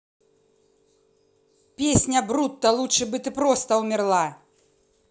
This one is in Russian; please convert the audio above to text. песня брутто лучше бы ты просто умерла